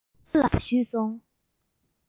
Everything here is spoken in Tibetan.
ཙི ཙི ཕོ ལ ཞུས སོང